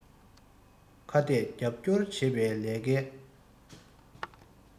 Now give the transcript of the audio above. ཁ གཏད རྒྱབ སྐྱོར བྱེད པའི ལས ཀའི